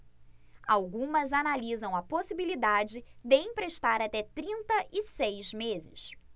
algumas analisam a possibilidade de emprestar até trinta e seis meses